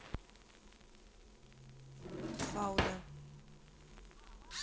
фауда